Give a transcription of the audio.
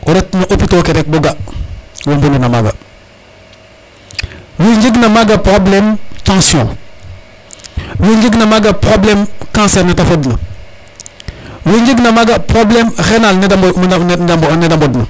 o ret no hopitaux ke rek bo ga we mbonuna maga we njeg na maga probleme tension wo njeg na maga probleme cancer nete fod na we njeg na maga probleme rénal nede mbond na